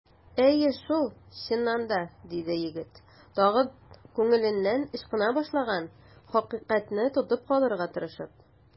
Әйе шул, чыннан да! - диде егет, тагын күңеленнән ычкына башлаган хакыйкатьне тотып калырга тырышып.